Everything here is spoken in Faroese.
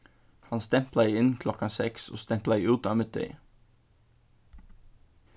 hann stemplaði inn klokkan seks og stemplaði út á middegi